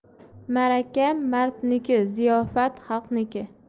ma'raka mardniki ziyofat xalqniki